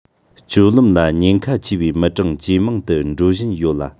སྤྱོད ལམ ལ ཉེན ཁ ཆེ བའི མི གྲངས ཇེ མང དུ འགྲོ བཞིན ཡོད ལ